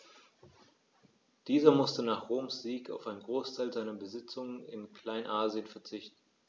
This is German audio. Dieser musste nach Roms Sieg auf einen Großteil seiner Besitzungen in Kleinasien verzichten.